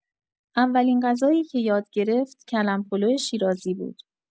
اولین غذایی که یاد گرفت، کلم‌پلو شیرازی بود.